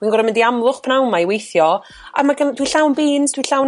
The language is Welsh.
wi'n goro mynd i Amlwch p'nawn 'ma i weithio a ma' gy-... dwi llawn beans dwi llawn